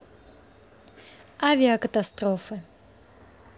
авиакатастрофы